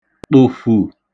ṭụ̀fù